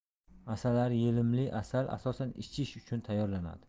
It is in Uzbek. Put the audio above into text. asalari yelimili asal asosan ichish uchun tayyorlanadi